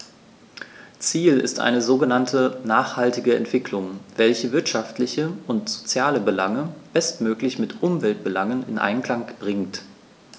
Ziel ist eine sogenannte nachhaltige Entwicklung, welche wirtschaftliche und soziale Belange bestmöglich mit Umweltbelangen in Einklang bringt.